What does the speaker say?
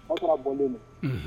O y'a sɔr'a bɔlen don. Unhun.